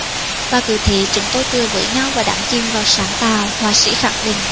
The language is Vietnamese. và cứ thế chúng tôi cười với nhau và đắm chìm vào sáng tạo họa sỹ khẳng định